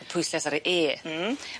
Pwysles ar y e. Hmm.